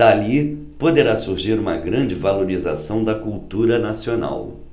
dali poderá surgir uma grande valorização da cultura nacional